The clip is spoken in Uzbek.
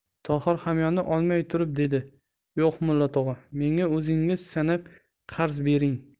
tohir hamyonni olmay turib dedi yo'q mulla tog'a menga o'zingiz sanab qarz bering